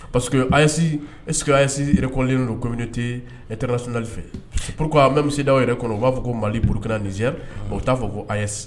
Parce que ase esisirekɔlen don kɔmimte etrsli fɛ p walasaur a mɛ misidaw yɛrɛ kɔnɔ u b'a fɔ mali bolourukinanaz o t'a fɔ ko ayise